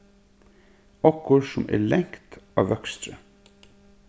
okkurt sum er langt á vøkstri